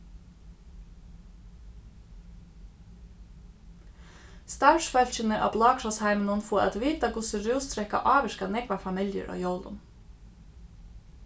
starvsfólkini á bláakrossheiminum fáa at vita hvussu rúsdrekka ávirkar nógvar familjur á jólum